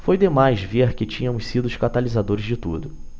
foi demais ver que tínhamos sido os catalisadores de tudo